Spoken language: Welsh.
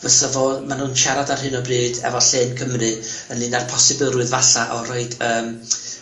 fysa fo, ma' nw'n siarad ar hyn o bryd efo Llen Cymru, ynglŷn â'r posibilrwydd falla o roid yym